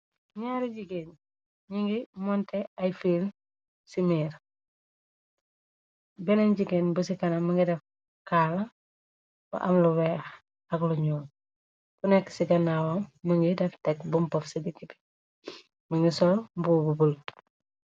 Naari jigéen ñi ngi monte ay fil ci miir benen jigéen bu ci kanama mungi def kaala ba am lu weeh ak lu ñuul ko nekk ci ganaawam më ngi def tekk bum pof ci digi bi mu ngi sol mbubu bu bulo.